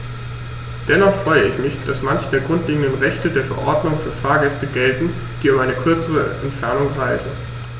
Dennoch freue ich mich, dass manche der grundlegenden Rechte der Verordnung für Fahrgäste gelten, die über eine kürzere Entfernung reisen.